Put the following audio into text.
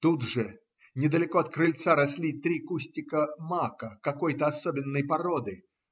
Тут же, недалеко от крыльца, росли три кустика мака какой-то особенной породы